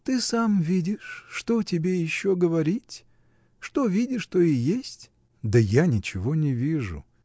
— Ты сам видишь: что тебе еще говорить? Что видишь, то и есть. — Да я ничего не вижу.